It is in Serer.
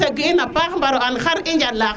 mbara segi ina paax mbara an xar i njala